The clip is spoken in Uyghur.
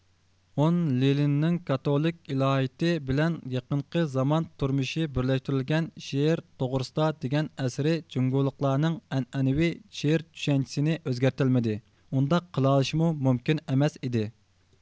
ئون لىلىنىڭ كاتولىك ئىلاھىيىتى بىلەن يېقىنقى زامان تۇرمۇشى بىرلەشتۈرۈلگەن شېئىر توغرىسىدا دېگەن ئەسىرى جۇڭگولۇقلارنىڭ ئەنئەنىۋى شېئىرچۈشەنچىسىنى ئۆزگەرتەلمىدى ئۇنداق قىلالىشىمۇ مۇمكىن ئەمەس ئىدى